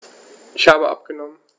Ich habe abgenommen.